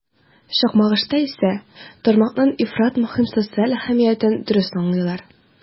Чакмагышта исә тармакның ифрат мөһим социаль әһәмиятен дөрес аңлыйлар.